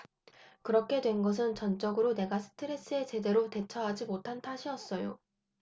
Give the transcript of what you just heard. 그렇게 된 것은 전적으로 내가 스트레스에 제대로 대처하지 못한 탓이었어요